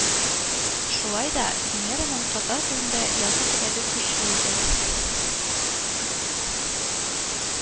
Шулай да Венераның татар телендә язу теләге көчле иде